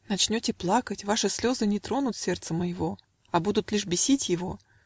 Начнете плакать: ваши слезы Не тронут сердца моего, А будут лишь бесить его.